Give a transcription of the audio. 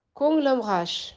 ko'nglim g'ash